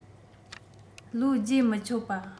བློས རྗེས མི ཆོད པ